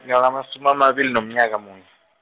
nginamasumi amabili nomnyaka munye.